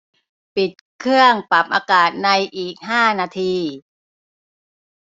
ปิดเครื่องปรับอากาศในอีกห้านาที